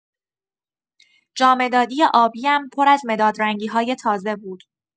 جامدادی آبی‌م پر از مداد رنگی‌های تازه بود.